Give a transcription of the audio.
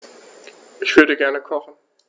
Ich würde gerne kochen.